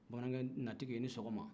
bamanankɛ natigi i ni sɔgɔma